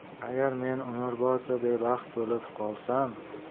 agar men umrbod bebaxt bo'lib qolsam